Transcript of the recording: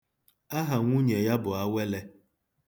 Aha nwunye ya bụ Awele.